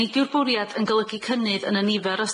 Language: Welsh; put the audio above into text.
Nid yw'r bwriad yn golygu cynnydd yn y nifer o